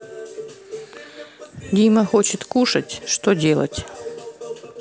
дима хочет кушать что делать